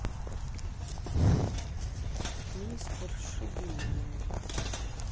мистер шегимэн